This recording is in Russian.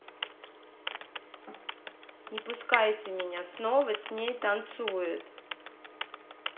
не пускайте меня снова с ней танцует